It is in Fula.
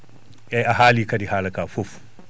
eeyi a haali kadi haala ka fof